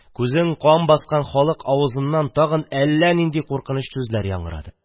Күзен кан баскан халык авызыннан тагын әллә нинди куркыныч сүзләр яңгырады